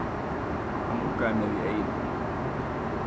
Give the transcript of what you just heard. hann uggaði meg við eygunum